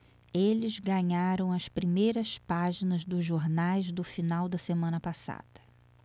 eles ganharam as primeiras páginas dos jornais do final da semana passada